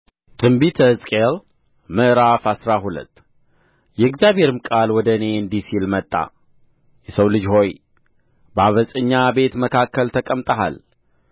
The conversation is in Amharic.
ትንቢተ ሕዝቅኤል ምዕራፍ አስራ ሁለት የእግዚአብሔርም ቃል ወደ እኔ እንዲህ ሲል መጣ የሰው ልጅ ሆይ በዓመፀኛ ቤት መካከል ተቀምጠሃል